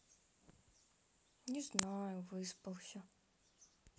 не знаю выспался